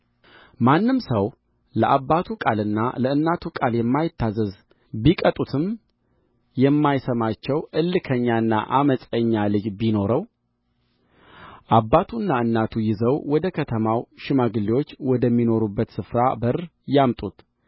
ማንም ሰው ለአባቱ ቃልና ለእናቱ ቃል የማይታዘዝ ቢቀጡትም የማይሰማቸው እልከኛና ዓመፀኛ ልጅ ቢኖረው አባቱና እናቱ ይዘው ወደ ከተማው ሽማግሌዎች ወደሚኖሩበትም ስፍራ በር ያምጡት